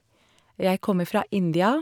Jeg kommer fra India.